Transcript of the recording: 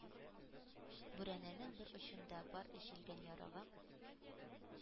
Бүрәнәнең бер очында бар эчелгән ярыгы,